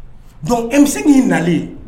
Dɔnkuc emi min'i nalen